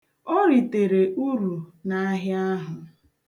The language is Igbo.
O ritere uru n'ahịa ahụ.